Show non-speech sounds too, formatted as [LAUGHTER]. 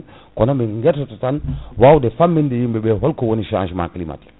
[BREATH] kono min gueto tan wawde famminde yimɓeɓe holko woni changement climatique